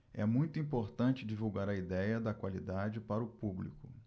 é muito importante divulgar a idéia da qualidade para o público